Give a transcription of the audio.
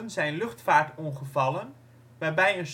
zijn luchtvaartongevallen waarbij